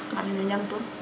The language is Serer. mam nu njaŋ tun